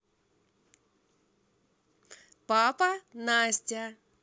папа настя